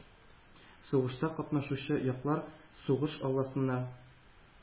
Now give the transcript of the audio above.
Сугышта катнашучы яклар сугыш алласына